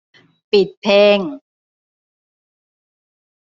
ปิดเพลง